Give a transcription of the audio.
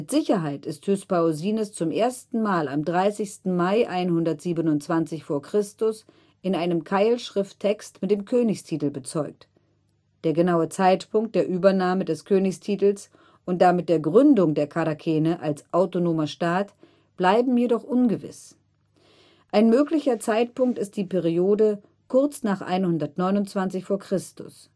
Sicherheit ist Hyspaosines zum ersten Mal am 30. Mai 127 v. Chr. in einem Keilschrifttext mit dem Königstitel bezeugt. Der genaue Zeitpunkt der Übernahme des Königstitels und damit der Gründung der Charakene als autonomer Staat bleiben jedoch ungewiss. Ein möglicher Zeitpunkt ist die Periode kurz nach 129 v. Chr.